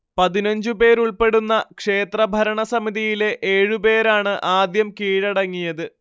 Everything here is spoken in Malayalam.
പതിനഞ്ചുപേരുൾപ്പെടുന്ന ക്ഷേത്രഭരണസമിതിയിലെ ഏഴുപേരാണ് ആദ്യം കീഴടങ്ങിയത്